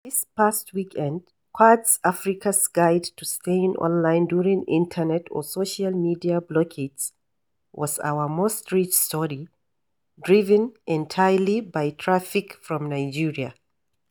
This past weekend, Quartz Africa’s guide to staying online during internet or social media blockages was our most read story, driven entirely by traffic from Nigeria.